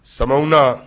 Sama na